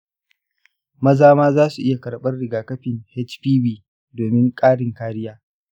maza ma za su iya karɓar rigakafin hpv domin ƙarin kariya.